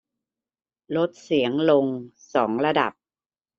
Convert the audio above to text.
ลดเสียงลงสองระดับ